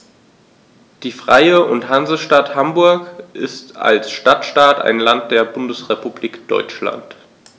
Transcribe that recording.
Die Freie und Hansestadt Hamburg ist als Stadtstaat ein Land der Bundesrepublik Deutschland.